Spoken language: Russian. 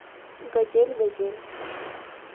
газель газель